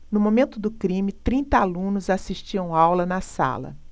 no momento do crime trinta alunos assistiam aula na sala